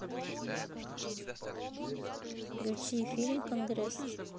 включи фильм конгресс